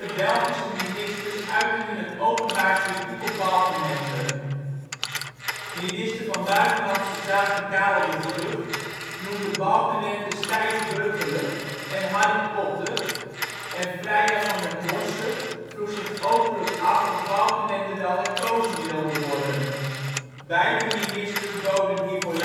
Belgische ministers uitten in het openbaar kritiek op Balkenende: Minister van Buitenlandse zaken Karel de Gucht noemde Balkenende ' stijfburgerlijk ' en ' Harry Potter ' en Freya Van den Bossche vroeg zich openlijk af of Balkenende wel herkozen wilde worden. Beide ministers boden hiervoor